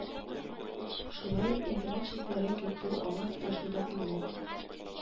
Шулай ук Интернет челтәре кертү, аңа тоташу да кыйммәт